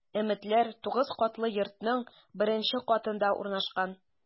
“өметлеләр” 9 катлы йортның беренче катында урнашкан.